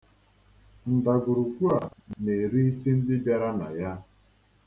Ndagwurugwu a na-eri isi ndị bịara na ya.